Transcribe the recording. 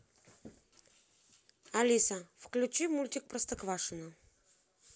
алиса включи мультик простоквашино